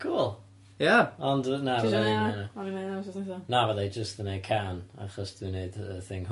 Cŵl! Ia! Ond fy- na byddai ddim neu' ynna. O'n i meddwl ti neud o. Na fyddai jyst yn neu' cân. Achos dwi neud yy thing...